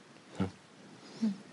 Hmm. Hmm.